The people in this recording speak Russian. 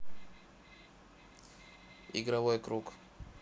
игровой круг